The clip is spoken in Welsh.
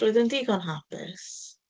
Roedd e'n ddigon hapus.